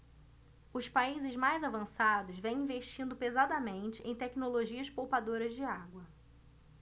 os países mais avançados vêm investindo pesadamente em tecnologias poupadoras de água